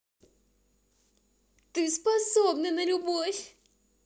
ты способна на любовь